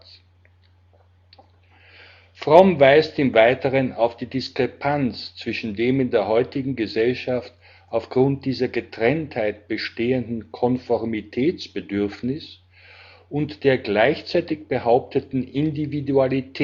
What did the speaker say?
Fromm weist im Weiteren auf die Diskrepanz zwischen dem in der heutigen Gesellschaft aufgrund dieser Getrenntheit bestehenden Konformitätsbedürfnis und der gleichzeitig behaupteten Individualität